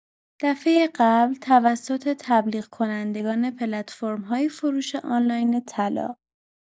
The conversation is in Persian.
دفعۀ قبل توسط تبلیغ‌کنندگان پلتفرم‌های فروش آنلاین طلا